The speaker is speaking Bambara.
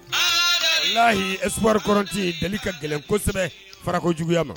Aa lahi esriɔrɔnti deli ka gɛlɛn kosɛbɛ farako juguya ma